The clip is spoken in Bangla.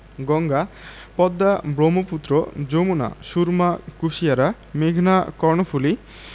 গঙ্গা পদ্মা ব্রহ্মপুত্র যমুনা সুরমা কুশিয়ারা মেঘনা কর্ণফুলি